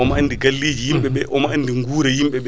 omo andi galleji yimɓeɓe omo andi gura yimɓeɓe